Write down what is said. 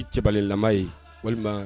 I ye walima